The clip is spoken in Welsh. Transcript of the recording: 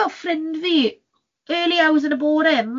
Dwi'n gweld ffrind fi, early hours yn y bore,